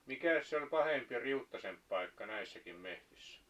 mikäs se oli pahempi ja riuttaisempi paikka näissäkin metsissä